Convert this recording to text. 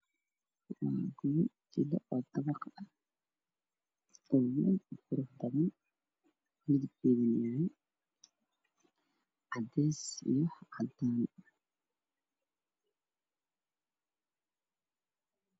Waa guryo fillo ama dabaq midabkeedu uu yahay cadaan iyo cadeys.